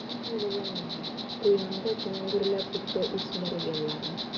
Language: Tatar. Туган авылым минем, куеныңда синең гөрләп үтте үсмер елларым.